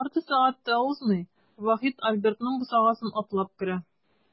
Ярты сәгать тә узмый, Вахит Альбертның бусагасын атлап керә.